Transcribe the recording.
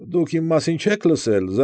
Դուք իմ մասին չե՞ք լսել։